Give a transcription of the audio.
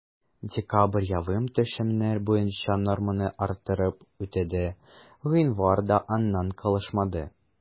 Декабрь явым-төшемнәр буенча норманы арттырып үтәде, гыйнвар да аннан калышмады.